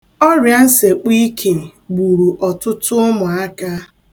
Ọrịansekpọike gburu ọtụtụ ụmụaka.